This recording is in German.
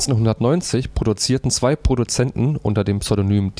1990 produzierten zwei Produzenten unter dem Pseudonym